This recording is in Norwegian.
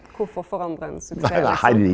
kvifor forandre ein suksess liksom?